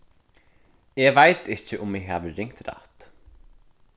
eg veit ikki um eg havi ringt rætt